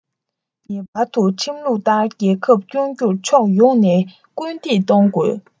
ངེས པར དུ ཁྲིམས ལུགས ལྟར རྒྱལ ཁབ སྐྱོང རྒྱུར ཕྱོགས ཡོངས ནས སྐུལ འདེད གཏོང དགོས